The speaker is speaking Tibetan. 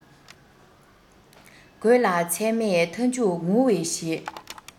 དགོད ལ ཚོད མེད མཐའ མཇུག ངུ བའི གཞི